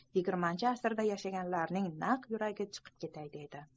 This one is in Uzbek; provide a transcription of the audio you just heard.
yigirmanchi asrda yashayotganlarning naq yuragi chiqib ketay deydi